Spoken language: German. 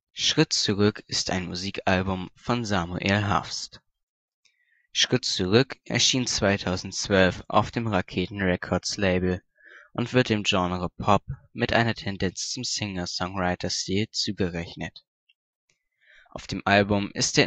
Schritt zurück ist ein Musikalbum von Samuel Harfst. Schritt zurück erschien 2012 auf dem raketen records Label und wird dem Genre Pop mit einer Tendenz zum Singer -/ Songwriterstil zugerechnet. Auf dem Album ist